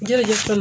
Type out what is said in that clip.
jërëjëf